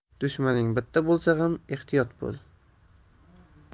dushmaning bitta bo'lsa ham ehtiyot bo'l